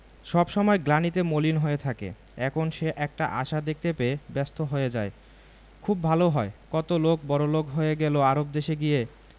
সব সময় গ্লানিতে মলিন হয়ে থাকে এখন সে একটা আশা দেখতে পেয়ে ব্যস্ত হয়ে যায় খুব ভালো হয় কত লোক বড়লোক হয়ে গেল আরব দেশে গিয়ে